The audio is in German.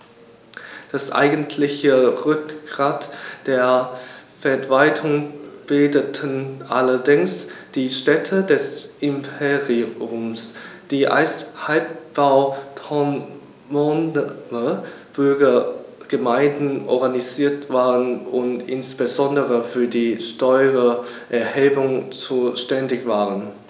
Das eigentliche Rückgrat der Verwaltung bildeten allerdings die Städte des Imperiums, die als halbautonome Bürgergemeinden organisiert waren und insbesondere für die Steuererhebung zuständig waren.